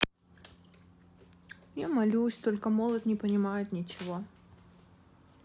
я молюсь только молот не понимает ничего